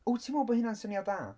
Wyt ti'n meddwl bod hynna'n syniad da?